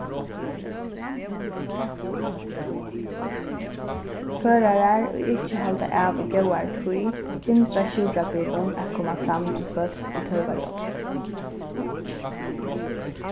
førarar ið ikki halda av í góðari tíð hindra sjúkrabilum at koma fram til fólk ið tørva hjálp